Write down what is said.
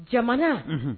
Jamana